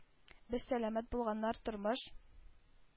Без, сәламәт булганнар, тормыш